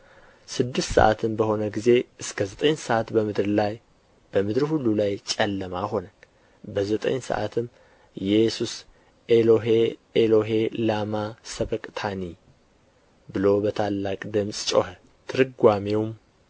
ስድስት ሰዓትም በሆነ ጊዜ እስከ ዘጠኝ ሰዓት በምድር ሁሉ ላይ ጨለማ ሆነ ዘጠኝ ሰዓትም ኢየሱስ ኤሎሄ ኤሎሄ ላማ ሰበቅታኒ ብሎ በታላቅ ድምፅ ጮኸ ትርጓሜውም አምላኬ